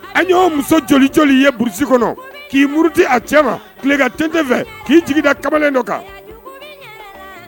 A yo muso jolicɛli yeurusi kɔnɔ k'i muruti a cɛ ma tile ka den fɛ k'i jiginda kamalen dɔ kan